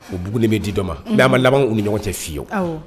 U bugunlen bɛ di dɔ ma bɛma labanw ni ɲɔgɔn cɛ fiyewu